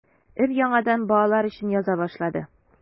Өр-яңадан балалар өчен яза башлады.